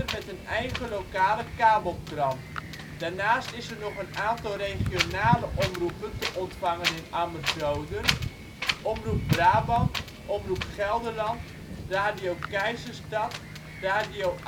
met een eigen lokale kabelkrant. Daarnaast is er nog een aantal regionale omroepen te ontvangen in Ammerzoden: Omroep Brabant, Omroep Gelderland, Radio Keizerstad, Radio